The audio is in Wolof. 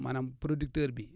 maanaam producteur bi